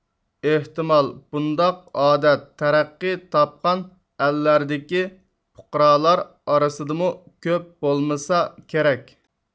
ئېھتىمال بۇنداق ئادەت تەرەققىي تاپقان ئەللەردىكى پۇقرالار ئارىسىدىمۇ كۆپ بولمىسا كېرەك